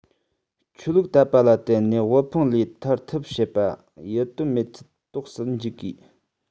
ཆོས ལུགས དད པ ལ བརྟེན ནས དབུལ ཕོངས ལས ཐར ཐབས བྱེད པ ལ ཡིད རྟོན མེད ཚུལ རྟོགས སུ འཇུག དགོས